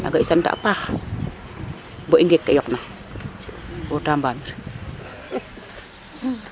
Yaaga i sante a paax bo i ngeek ke i yoqna bo temps mbamir.